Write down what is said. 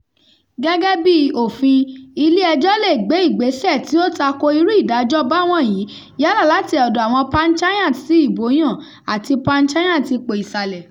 Gẹ́gẹ́ bí òfin, ilé ẹjọ́ lé gbé ìgbésẹ̀ tí ó tako irúu ìdájọ́ báwọ̀nyí yálà láti ọ̀dọ̀ àwọn panchayat tí ìbó yàn àti panchayat ipò-ìsàlẹ̀.